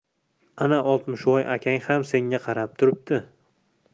ana oltmishvoy akang ham senga qarab turibdi